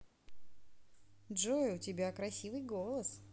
джой у тебя красивый голос